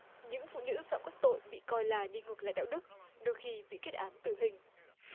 những phụ nữ phạm các tội bị coi là đi ngược lại đạo đức đôi khi bị kết án tử hình